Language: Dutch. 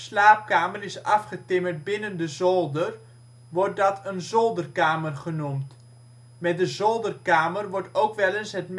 slaap) kamer is afgetimmerd binnen de zolder, wordt dat een zolderkamer genoemd. Met de zolderkamer wordt ook wel eens het